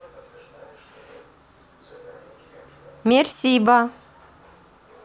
мерсибо